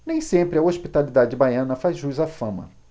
nem sempre a hospitalidade baiana faz jus à fama